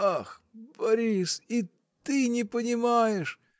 — Ах, Борис, и ты не понимаешь!